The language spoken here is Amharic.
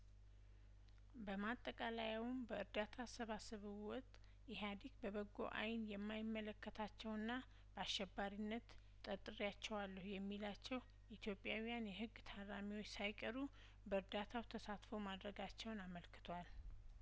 በማጠቃለያውም በእርዳታ አሰባሰቡ ወቅት ኢህአዲግ በበጐ አይን የማይመለከታቸውና በአሸባሪነት ጠርጥሬያቸዋለሁ የሚላቸው ኢትዮጵያውያን የህግ ታራሚዎች ሳይቀሩ በእርዳታው ተሳትፎ ማድረጋቸውን አመልክቷል